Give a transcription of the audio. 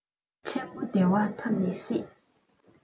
ཆེན པོའི བདེ བ ཐོབ མི སྲིད